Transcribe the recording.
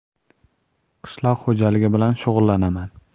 qishloq xo'jaligi bilan shug'ullanaman